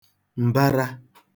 m̀bara